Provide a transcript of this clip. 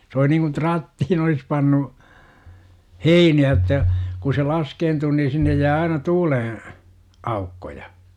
se oli niin kuin trattiin olisi pannut heiniä jotta kun se laskeutuu niin sinne jää aina tuulen aukkoja